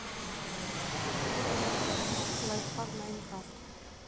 лайфхак майнкрафт